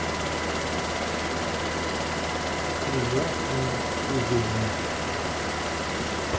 приятные лизуны